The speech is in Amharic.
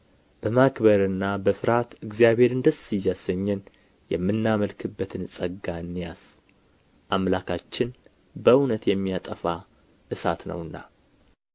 በማክበርና በፍርሃት እግዚአብሔርን ደስ እያሰኘን የምናመልክበትን ጸጋ እንያዝ አምላካችን በእውነት የሚያጠፋ እሳት ነውና